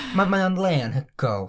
Ma' mae o'n le anhygoel.